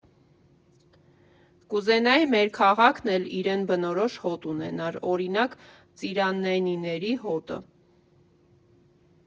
Կուզենայի մեր քաղաքն էլ իրեն բնորոշ հոտ ունենար, օրինակ՝ ծիրանենիների հոտը։